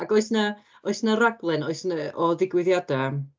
Ac oes 'na... oes 'na raglen oes 'na... o ddigwyddiadau?